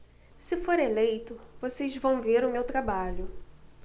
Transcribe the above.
se for eleito vocês vão ver o meu trabalho